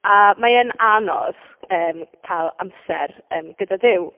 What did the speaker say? A mae e'n anodd yym cael amser yym gyda Duw.